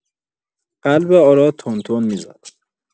قلب آراد تند تند می‌زد.